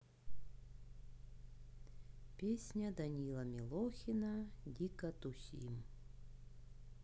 песня данила милохина дико тусим